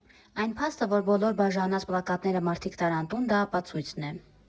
Այն փաստը, որ բոլոր բաժանած պլակատները մարդիկ տարան տուն, դրա ապացույցն է։